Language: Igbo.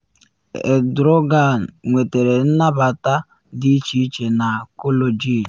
Erdogan nwetere nnabata dị iche iche na Cologne